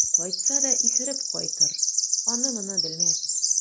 Кайтса да исереп кайтыр, аны-моны белмәс.